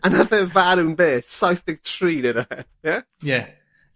A nath e farw'n beth? Saith deg tri ne rwbeth? Ie? Ie. Ie a a...